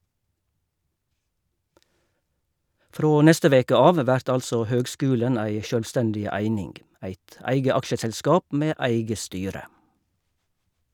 Frå neste veke av vert altså høgskulen ei sjølvstendig eining, eit eige aksjeselskap med eige styre.